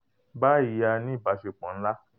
Báyìí a ní ìbáṣepọ̀ ńlá.''